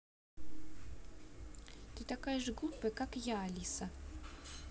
ты такая же глупая как я алиса